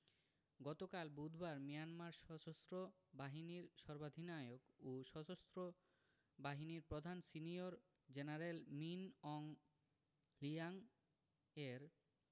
গতকাল বুধবার মিয়ানমার সশস্ত্র বাহিনীর সর্বাধিনায়ক ও সশস্ত্র বাহিনীর প্রধান সিনিয়র জেনারেল মিন অং হ্লিয়াংয়ের